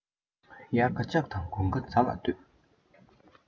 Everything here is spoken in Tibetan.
དབྱར ཁ ལྕགས དང དགུན ཁ རྫ ལ ལྟོས